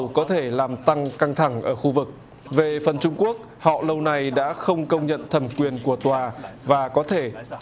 có thể làm tăng căng thẳng ở khu vực về phần trung quốc họ lâu nay đã không công nhận thẩm quyền của tòa và có thể thiết